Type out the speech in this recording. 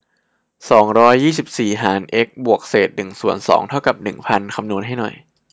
สองร้อยยี่สิบสี่หารเอ็กซ์บวกเศษหนึ่งส่วนสองเท่ากับหนึ่งพันคำนวณให้หน่อย